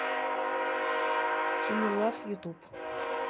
тини лав ютуб